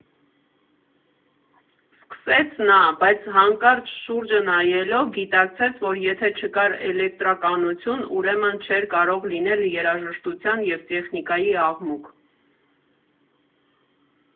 ֊ սկսեց նա, բայց հանկարծ շուրջը նայելով՝ գիտակցեց, որ եթե չկար էլեկտրականություն, ուրեմն չէր կարող լինել երաժշտության և տեխնիկայի աղմուկ։